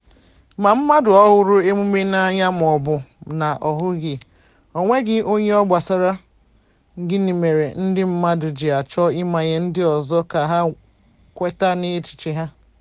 Ma mmadụ ọ hụrụ emume n'anya mọọbụ na ọhụghị, onweghị onye ọ gbasara, gịnị mere ndị mmadụ ji achọ ịmanye ndị ọzọ ka ha kweta n'echiche ha?